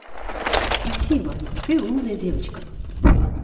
спасибо ты умная девочка